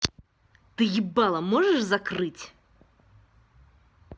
ты ебало можешь закрыть